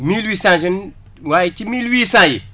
mille huit cent jeunes waaye ci mille huit cent yi